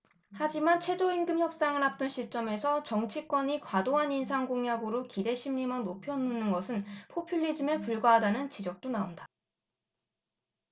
하지만 최저임금 협상을 앞둔 시점에서 정치권이 과도한 인상 공약으로 기대심리만 높여놓는 것은 포퓰리즘에 불과하다는 지적도 나온다